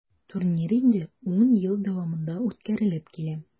Турнир инде 10 ел дәвамында үткәрелеп килә.